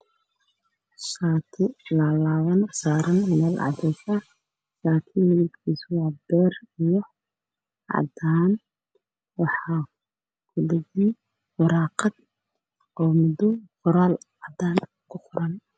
Waa shaati midabkiisii yahay qaxwi cadaan dhulkana waa caddaan